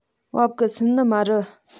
བབ གི སུན ནི མ རེད